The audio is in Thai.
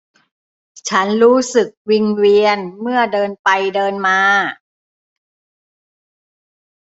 ฉันรู้สึกวิงเวียนเมื่อเดินไปเดินมา